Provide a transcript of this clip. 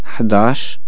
حضاش